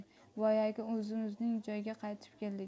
boyagi o'zimizning joyga qaytib keldik